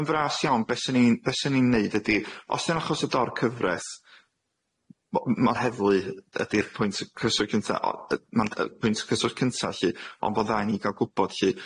Yn fras iawn, be' 'syn i'n- be' 'syn i'n neud ydi, os 'di o'n achos y dor cyfreth, mo- m- ma'r heddlu ydi'r pwynt y cyswllt cynta o- yy mond y pwynt cyswllt cynta lly, ond bo'n dda i ni ga'l gwbod lly.